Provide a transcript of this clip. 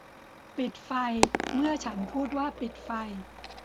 ปิดไฟเมื่อฉันพูดว่าปิดไฟ